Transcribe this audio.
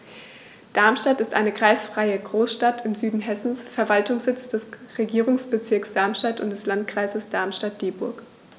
Darmstadt ist eine kreisfreie Großstadt im Süden Hessens, Verwaltungssitz des Regierungsbezirks Darmstadt und des Landkreises Darmstadt-Dieburg.